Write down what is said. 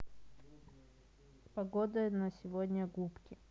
погода на сегодня губки